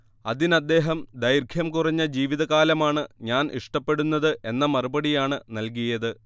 അതിനദ്ദേഹം ദൈർഘ്യം കുറഞ്ഞ ജീവിതകാലമാണ് ഞാൻ ഇഷ്ടപ്പെടുന്നത് എന്ന മറുപടിയാണ് നൽകിയത്